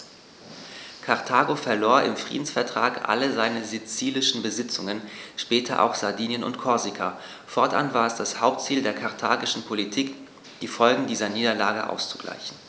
Karthago verlor im Friedensvertrag alle seine sizilischen Besitzungen (später auch Sardinien und Korsika); fortan war es das Hauptziel der karthagischen Politik, die Folgen dieser Niederlage auszugleichen.